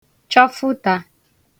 chọfụtā